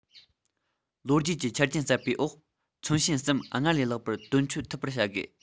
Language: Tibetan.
༄༅ ལོ རྒྱུས ཀྱི ཆ རྐྱེན གསར པའི འོག མཚོན བྱེད གསུམ སྔར ལས ལེགས པར དོན འཁྱོལ ཐུབ པར བྱ དགོས